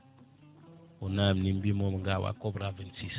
o namdi mbimomi gawa cobra 26